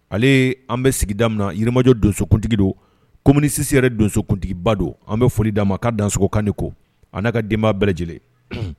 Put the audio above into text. Ale an bɛ sigida min na Yirimajɔ donsokuntigi don komini 6 yɛrɛ donsokuntigiba don an bɛ foli d'a ma k'a dansogo k'a ni ko a n'a ka denbaya bɛɛ lajɛlen